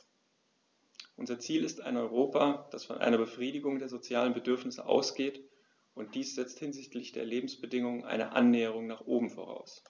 Unser Ziel ist ein Europa, das von einer Befriedigung der sozialen Bedürfnisse ausgeht, und dies setzt hinsichtlich der Lebensbedingungen eine Annäherung nach oben voraus.